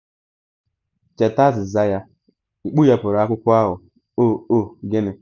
Cheta azịza ya... i kpughepuru akwụkwọ ahụ - “oh, oh, gịnị?